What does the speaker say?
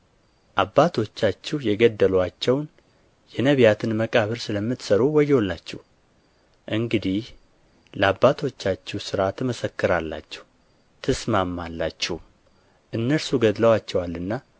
አባቶቻችሁ የገደሉአቸውን የነቢያትን መቃብር ስለምትሠሩ ወዮላችሁ እንግዲህ ለአባቶቻችሁ ሥራ ትመሰክራላችሁ ትስማማላችሁም እነርሱ ገድለዋቸዋልና